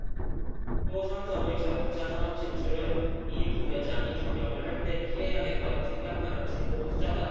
또 삼성의 자동차 산업 진출은 이 부회장이 경영을 할 때 피해야겠다고 생각하는 중복 투자다